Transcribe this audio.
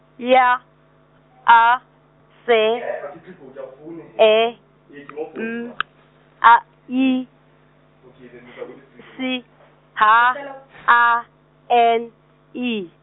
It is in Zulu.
Y A S E M A I S H A N I.